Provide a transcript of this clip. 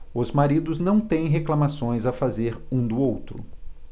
os maridos não têm reclamações a fazer um do outro